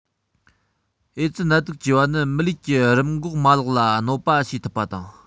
ཨེ ཙི ནད དུག ཅེས པ ནི མི ལུས ཀྱི རིམས འགོག མ ལག ལ གནོད པ བྱེད ཐུབ པ དང